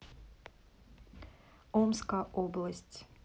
омская область